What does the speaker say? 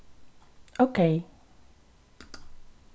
ókey